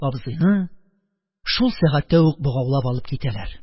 Абзыйны шул сәгатьтә үк богаулап алып китәләр.